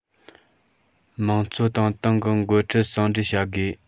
དམངས གཙོ དང ཏང གི འགོ ཁྲིད ཟུང འབྲེལ བྱ དགོས